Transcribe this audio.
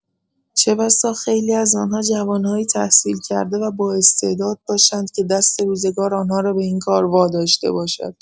چه‌بسا خیلی از آنها جوان‌هایی تحصیلکرده و بااستعداد باشند که دست روزگار آنها را به این کار واداشته باشد.